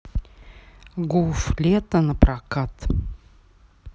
гуф лето на прокат